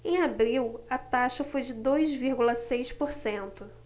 em abril a taxa foi de dois vírgula seis por cento